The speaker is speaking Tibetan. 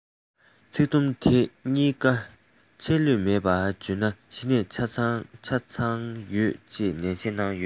ཚིག དུམ དེ གཉིས ཀ ཆད ལུས མེད པར བརྗོད ན གཞི ནས ཆ ཚང ཡོད ཅེས ནན བཤད གནང བ རེད